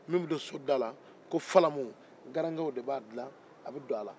min bɛ don so da la ko falamu garankew de b'a dilan a bɛ don a la